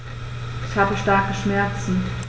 Ich habe starke Schmerzen.